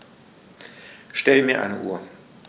Stell mir eine Uhr.